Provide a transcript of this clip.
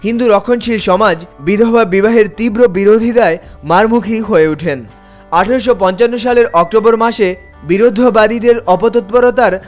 হিন্দু রক্ষণশীল সমাজ বিধবা বিবাহের তীব্র বিরোধিতা মারমুখী হয়ে ওঠেন ১৮৫৫ সালের অক্টোবর মাসে বিরুদ্ধবাদীদের অপতৎপরতার